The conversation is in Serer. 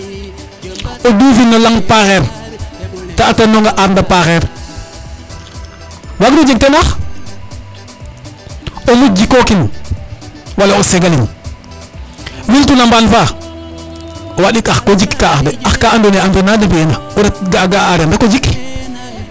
o dufin no laŋ paxeer te atanoŋ a arna paxeer wagiro jeg ten ax a ret jiko kin wala o o segalin numtu no mbaan fa wandik ax ko jikika ax ka ando naye andiro nade mbiye na o ret ga a ga areer rek o jik